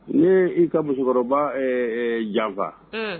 N i ka musokɔrɔba janfa